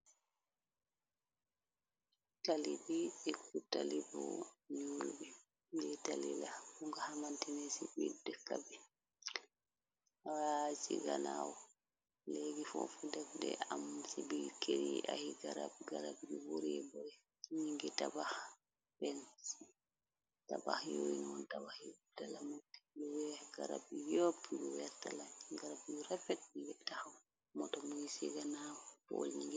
Tali bi ekku tali bu ñuul bi militali la, ku nga xamantine ci pit d kabe, a ci ganaawu leegi fonfu debde, am ci bir ker yi ahi garab, garab yu buree bure, ñi ngi tabax fen ci tabax yuy noon, tabaxidalamut yu weex garab yu yopp yu weertala, ci garab yu refet yi ngi taxaw, moto moy ci ganaaw pool ñi ngi.